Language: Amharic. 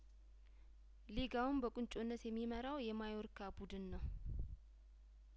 ሊጋውን በቁንጮነት የሚመራው የማዮርካ ቡድን ነው